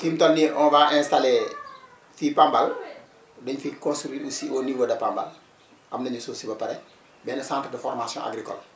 fi mu toll nii on va installer fii Pambal dañu fiy construire ici au niveau de Pamabal am nañu suuf si ba pare benn centre de formation agricole